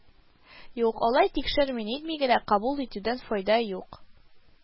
Юк, алай тикшерми-нитми генә кабул итүдән файда юк